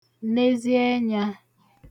nezi ẹnyā